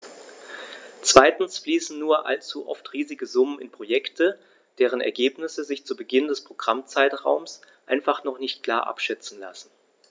Zweitens fließen nur allzu oft riesige Summen in Projekte, deren Ergebnisse sich zu Beginn des Programmzeitraums einfach noch nicht klar abschätzen lassen.